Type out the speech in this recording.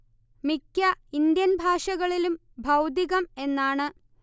മിക്ക ഇന്ത്യൻ ഭാഷകളിലും ഭൗതികം എന്നാണ്